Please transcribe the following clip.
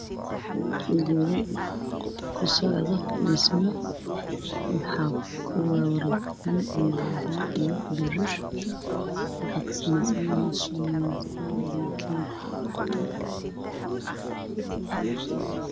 Waa guri ku socdo dhismo